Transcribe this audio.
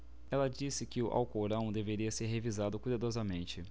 ela disse que o alcorão deveria ser revisado cuidadosamente